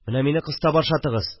Менә мине кыстап ашатыгыз